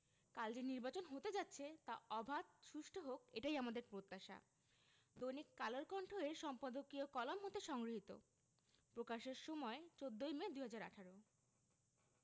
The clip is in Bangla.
কাল যে নির্বাচন হতে যাচ্ছে তা অবাধ সুষ্ঠু হোক এটাই আমাদের প্রত্যাশা দৈনিক কালের কণ্ঠ এর সম্পাদকীয় কলাম হতে সংগৃহীত প্রকাশের সময় ১৪ মে ২০১৮